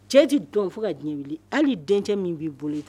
Cɛji dɔn fo ka diɲɛ wuli hali ni den min b'i bolo i ta